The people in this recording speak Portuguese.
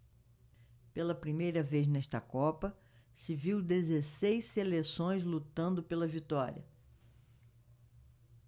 pela primeira vez nesta copa se viu dezesseis seleções lutando pela vitória